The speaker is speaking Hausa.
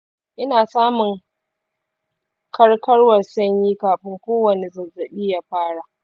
ina samun karkarwar sanyi kafin kowane zazzaɓi ya fara.